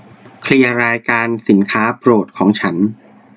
เคลียร์รายการสินค้าโปรดของฉัน